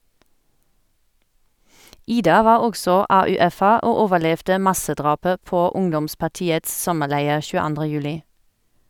Ida var også AUF-er og overlevde massedrapet på ungdomspartiets sommerleir 22. juli.